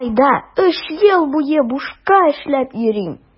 Болай да өч ел буе бушка эшләп йөрим.